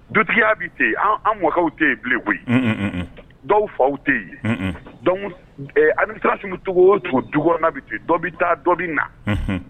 Dutigiya bɛ to yen an mɔ tɛ yen bi koyi dɔw faw tɛ yen an siransiwcogo o to du na bɛ to yen dɔ bɛ taa dɔ bɛ na